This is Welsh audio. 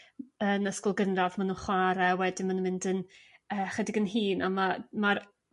yn ysgol gynradd ma' nhw chwar'e a wedyn ma' nhw mynd yn yrr ychydig yn hŷn a ma' ma'r